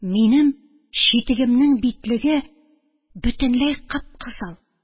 Минем читегемнең битлеге бөтенләй кып-кызыл.